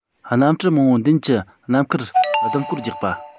གནམ གྲུ མང པོ མདུན གྱི ནམ མཁར ལྡིང སྐོར རྒྱག པ